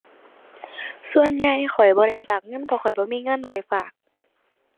ส่วนใหญ่ข้อยบ่ได้ฝากเงิน เพราะข้อยบ่มีเงินไว้ฝาก